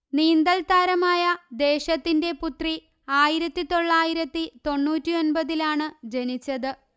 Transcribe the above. നീന്തല്താരമായ ദേശത്തിന്റെ പുത്രി ആയിരത്തി തൊള്ളായിരത്തി തൊണ്ണൂറ്റിയൊന്പതിലാണ് ജനിച്ചത്